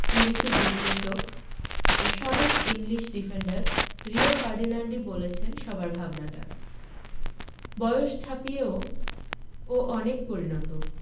বিবিসির বিশ্লেষক ও সাবেক ইংলিশ ডিফেন্ডার রিও ফার্ডিনান্ডই বলেছেন সবার ভাবনাটা বয়স ছাপিয়েও ও অনেক পরিণত